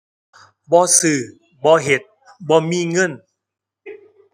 บ่ซื้อ บ่เฮ็ด บ่มีเงิน